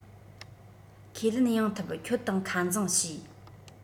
ཁས ལེན ཡང ཐུབ ཁྱོད དང ཁ འཛིང བྱས